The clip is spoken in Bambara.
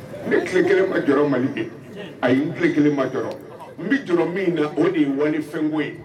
Ne tile 1 ma jɔrɔ Mali a yi n tile 1 ma jɔrɔ nbɛ jɔrɔ min na o de walifɛn ye.